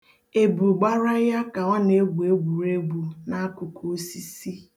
Ebu gbara ya ka ọ na-egwu egwureegwu n'akụkụ osisi.